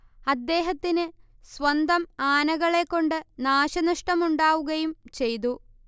അദ്ദേഹത്തിന് സ്വന്തം ആനകളെകൊണ്ട് നാശനഷ്ടമുണ്ടാവുകയും ചെയ്തു